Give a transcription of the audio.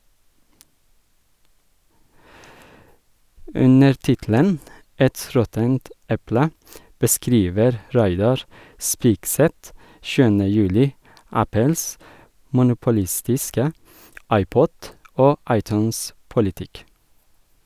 Under tittelen «Et råttent eple» beskriver Reidar Spigseth 7. juli Apples monopolistiske iPod- og iTunes-politikk.